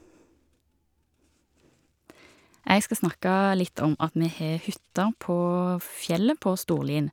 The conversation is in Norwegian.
Jeg skal snakke litt om at vi har hytte på fjellet, på Storlien.